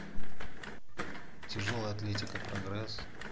тяжелая атлетика прогресс